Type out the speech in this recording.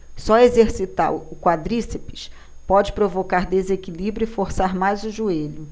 só exercitar o quadríceps pode provocar desequilíbrio e forçar mais o joelho